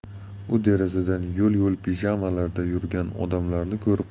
u derazadan yo'l yo'l pijamalarda yurgan odamlarni